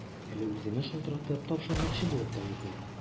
Әле үзенә шалтыратып, тапшырмакчы булып та йөрдем.